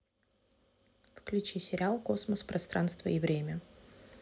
включи сериал космос пространство и время